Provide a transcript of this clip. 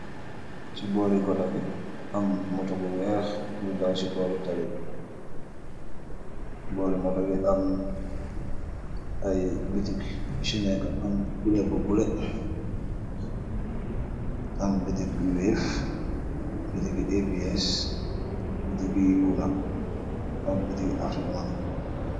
Ci boori goto gi, am moto bu weex, nuy daw ci boori talibi, boori moto bi am ay bitiki shinék am kuleer bu bulek, am bitiki wéef, biti ki aps, biti ki yuuna, ak bitii afrikmani.